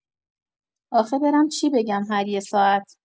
آخه برم چی بگم هر یه ساعت؟!